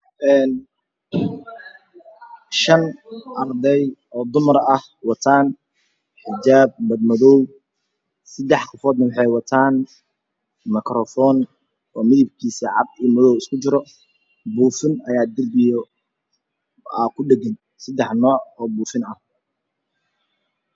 Mashan waa tagan shan gabdhod dharka eey watan waa madow iyo madow kale iyo madow kale iyo madow kale iyo qahwi waxey gacant kuhayan magarofan kalar kisi yahay waa madow iyo cadan